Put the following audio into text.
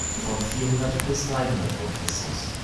von 400 bis 300 v. Chr.